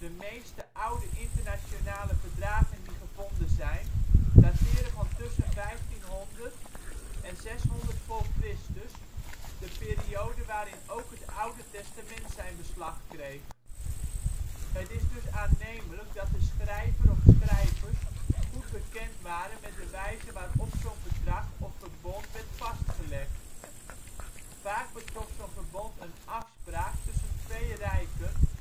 meeste oude internationale verdragen die gevonden zijn, dateren van tussen 1500 tot 600 v. Chr, de periode waarin ook het Oude Testament zijn beslag kreeg. Het is dus aannemelijk dat de schrijver of schrijvers goed bekend waren met de wijze waarop zo 'n verdrag of verbond werd vastgelegd. Vaak betrof zo 'n verbond een afspraak tussen twee rijken